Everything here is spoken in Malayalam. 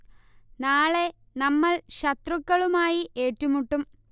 നാളെ നമ്മൾ ശത്രുക്കളുമായി ഏറ്റുമുട്ടും